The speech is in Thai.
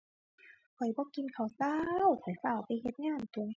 ข้อยบ่กินข้าวเช้า ข้อยฟ้าวไปเฮ็ดงานตั่ว